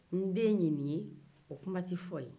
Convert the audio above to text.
n'den ye nin ye o kuma tɛ fɔ yen